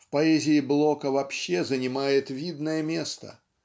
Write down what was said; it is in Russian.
в поэзии Блока вообще занимает видное место.